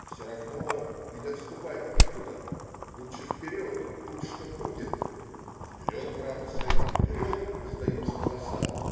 Все равно - ведь отступать некуда, лучше вперед, будь что будет. "Вперед, братцы! Вперед!" - раздаются голоса.